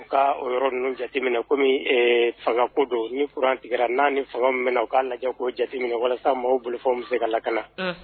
U ka yɔrɔ jate minɛ na kɔmi fanga ko don ni furantigɛra n'a ni fanga mɛn u k'a lajɛ ko jate minɛ walasa maaw bolofɔw bɛ se ka la ka na